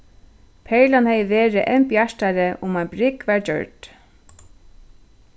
perlan hevði verið enn bjartari um ein brúgv varð gjørd